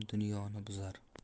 ham dunyoni buzar